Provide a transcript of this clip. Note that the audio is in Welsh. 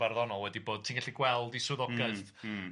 Farddonol wedi bod, ti'n gallu gweld ei swyddogaeth... M-hm m-hm